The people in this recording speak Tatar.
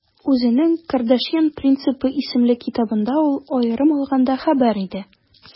Үзенең «Кардашьян принципы» исемле китабында ул, аерым алганда, хәбәр итә: